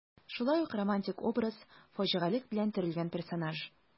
Шулай ук романтик образ, фаҗигалек белән төрелгән персонаж.